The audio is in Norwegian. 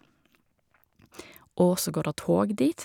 Og så går der tog dit.